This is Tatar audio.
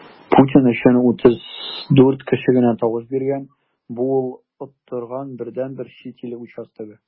Путин өчен 34 кеше генә тавыш биргән - бу ул оттырган бердәнбер чит ил участогы.